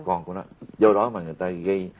con của nó do đó mà người ta gây